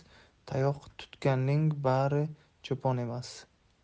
tayoq tutganning bail cho'pon emas